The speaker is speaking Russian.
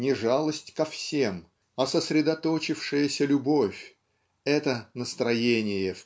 Не жалость ко всем, а сосредоточившаяся любовь это настроение